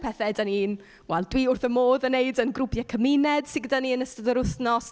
Pethe dan ni'n... wel, dwi wrth 'y modd yn wneud yn grwpiau cymuned sy gyda ni yn ystod yr wythnos.